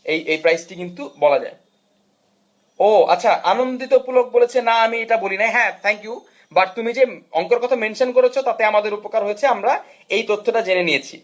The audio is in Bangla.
এই প্রাইস টি কিন্তু বলা যায় ও আচ্ছা আনন্দিত পুলক বলেছে না আমি এটা বলি নাই হ্যাঁ থ্যাঙ্ক ইউ বাট তুমি যে অংকের কথা মেনশন করেছে তাতে আমাদের উপকার হয়েছে আমরা এই তথ্যটা জেনে নিয়েছি